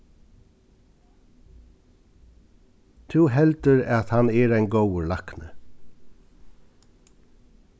tú heldur at hann er ein góður lækni